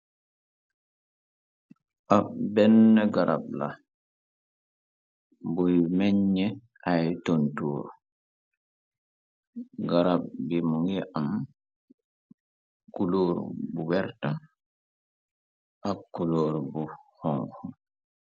Ab bena garab la buy menye ay tontuur garab bi mu ngi am kulóor bu werta ak kulóor bu xonxo.